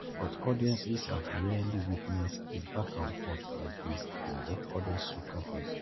But audiences have rarely witnessed a back-and-forth like this in recorded soca music.